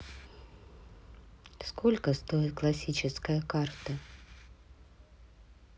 сколько стоит классическая карта